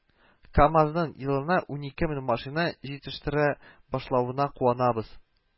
КамАЗның елына унике мең машина җитештерә башлавына куанабыз